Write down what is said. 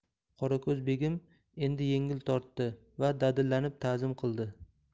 qorako'z begim endi yengil tortdi va dadillanib tazim qildi